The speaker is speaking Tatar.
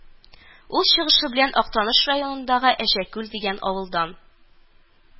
Ул чыгышы белән Актаныш районындагы Әҗәкүл дигән авылдан